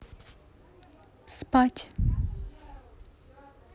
спать